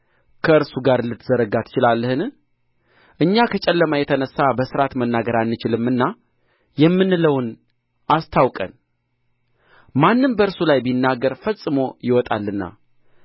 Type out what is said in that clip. ከእርሱ ጋር ልትዘረጋ ትችላለህን እኛ ከጨለማ የተነሣ በሥርዓት መናገር አንችልምና የምንለውን አስታውቀን ማንም በእርሱ ላይ ቢናገር ፈጽሞ ይዋጣልና